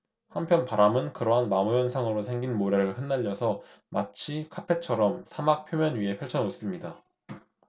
한편 바람은 그러한 마모 현상으로 생긴 모래를 흩날려서 마치 카펫처럼 사막 표면 위에 펼쳐 놓습니다